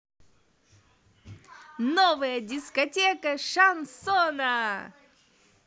новая дискотека шансона